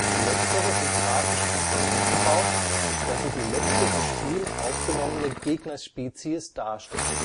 Letztere sind grafisch einfach aufgebaut, da sie die letzte im Spiel aufgenommene Gegnerspezies darstellen